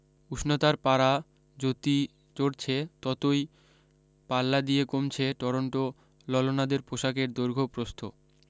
উষ্ণতার পারা যতি চড়ছে ততই পাল্লা দিয়ে কমছে টরোন্টো ললনাদের পোশাকের দৈর্ঘ্য প্রস্থ